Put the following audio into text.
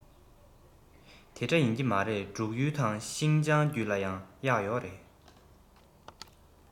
དེ འདྲ ཡིན གྱི མ རེད འབྲུག ཡུལ དང ཤིན ཅང རྒྱུད ལ ཡང གཡག ཡོད རེད